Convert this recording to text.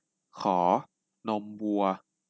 ขอนมวัว